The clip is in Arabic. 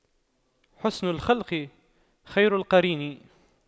حُسْنُ الخلق خير قرين